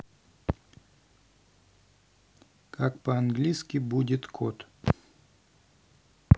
как по английски будет кот